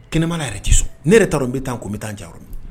Kɛnɛma yɛrɛ tɛ so ne yɛrɛ taara n bɛ taa ko n bɛ taa cayɔrɔ